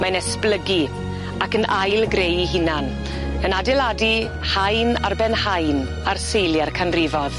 Mae'n esblygu ac yn ail-greu 'i hunan yn adeiladu haen ar ben haen ar seilie'r canrifodd.